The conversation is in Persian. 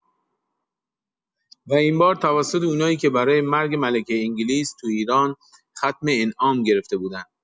و اینبار توسط اونایی که برای مرگ ملکه انگلیس تو ایران ختم انعام گرفته بودن.